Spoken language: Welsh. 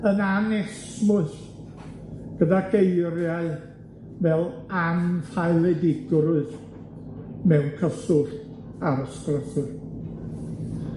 yn anesmwyth, gyda geiriau fel anffaeledigrwydd mewn cyswllt a'r ysgrythur.